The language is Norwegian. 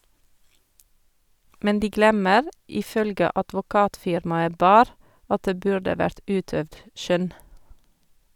Men de glemmer, ifølge advokatfirmaet BA-HR , at det burde vært utøvd skjønn.